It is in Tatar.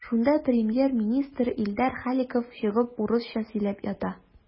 Шунда премьер-министр Илдар Халиков чыгып урысча сөйләп ята.